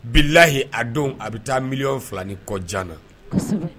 Bilahi a don a bi ta milyɔn fila ni kɔ jan na. kosɛbɛ